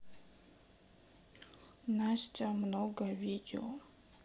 настя много видео